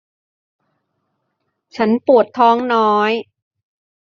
ฉันปวดท้องน้อย